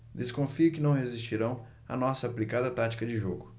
desconfio que não resistirão à nossa aplicada tática de jogo